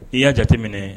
I y'a jateminɛ